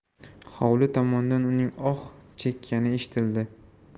hovli tomondan uning oh chekkani eshitildi